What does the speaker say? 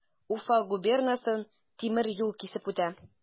Уфа губернасын тимер юл кисеп үтә.